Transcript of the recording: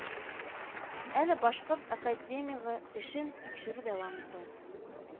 Әле башкорт академигы эшен тикшерү дәвам итә